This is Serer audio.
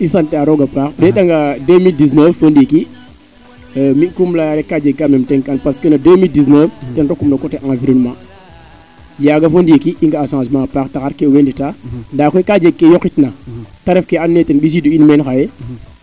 i i sant a rooga paax o ndeeta nga 20019 fo ndiiki mi kum leya rek kaa jeg no kem tenk an parce que no 2019 ten rokum no coté environnement yaaga fo ndiiki i ng'a changement a paax taxar ke mbey ndeta ndaa koy ka jeg kee yoqit na te ref kee ando anye ten mbisiidu in meen xaye